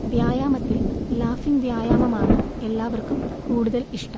വ്യായാമത്തിൽ ലാഫിങ് വ്യായാമമാണ് എല്ലാവർക്കും കൂടുതൽ ഇഷ്ടം